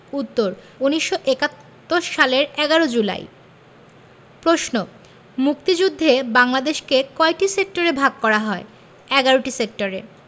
উত্তর ১৯৭১ সালের ১১ জুলাই প্রশ্ন মুক্তিযুদ্ধে বাংলাদেশকে কয়টি সেক্টরে ভাগ করা হয় উত্তর ১১টি সেক্টরে